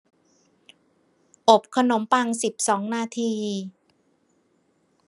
อบขนมปังสิบสองนาที